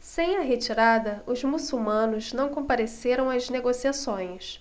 sem a retirada os muçulmanos não compareceram às negociações